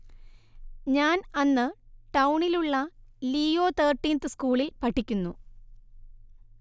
ഞാൻ അന്ന് ടൗണിൽ ഉള്ള ലീയോ തേർട്ടീന്ത് സ്കൂളിൽ പഠിക്കുന്നു